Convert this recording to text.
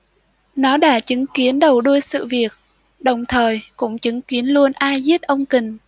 nó đã chứng kiến đầu đuôi sự việc đồng thời cũng chứng kiến luôn ai giết ông kình